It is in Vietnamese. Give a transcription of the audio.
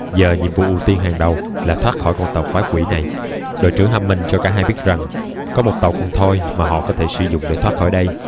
giờ nhiệm vụ ưu tiên hàng đầu là thoát khỏi con tàu quái quỷ này đội trưởng hammond cho cả hai biết rằng có một tàu con thoi mà họ có thể sử dụng để thoát khỏi đây